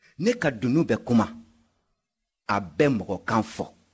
ne ka dunun bɛ kuma a bɛ mɔgɔkan fɔ